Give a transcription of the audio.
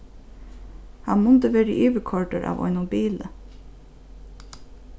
hann mundi verið yvirkoyrdur av einum bili